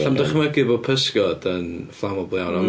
Fedrai ddim dychmygu bod pysgod yn flammable iawn ond...